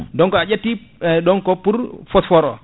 donc a ƴetti ɗon ko pour phosphore o